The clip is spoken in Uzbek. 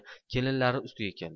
kelini ustiga keldi